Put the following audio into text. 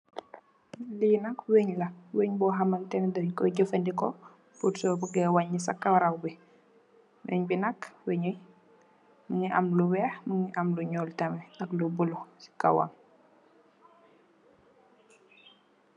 Li nak weñ la, weñ bu xamneh deñ ko jafandiko pur so bugeh waññi sa kawar bi. Weñ bi nak mugii am lu wèèx am lu bula tamid si kawam.